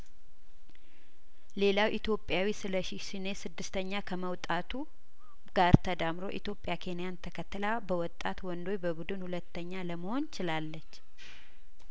ሌላው ኢትዮጵያዊ ስሊሽሽኔ ስድስተኛ ከመውጣቱ ጋር ተዳምሮ ኢትዮጵያ ኬንያን ተከትላ በወጣት ወንዶች በቡድን ሁለተኛ ለመሆን ችላለች